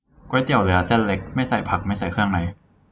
ก๋วยเตี๋ยวเรือเส้นเล็กไม่ใส่ผักไม่ใส่เครื่องใน